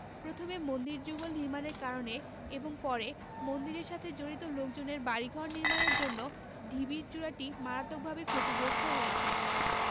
প্রথমে মন্দির যুগল নির্মাণের কারণে এবং পরে মন্দিরের সাথে জড়িত লোকজনের বাড়ি ঘর নির্মাণের জন্য ঢিবির চূড়াটি মারাত্মকভাবে ক্ষতিগ্রস্ত হয়েছে